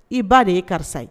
I ba de ye karisa ye